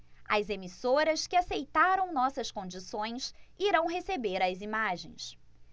as emissoras que aceitaram nossas condições irão receber as imagens